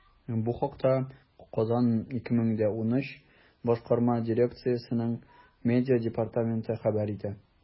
Бу хакта “Казан 2013” башкарма дирекциясенең медиа департаменты хәбәр итә.